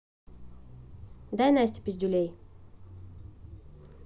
дай настя пиздюлей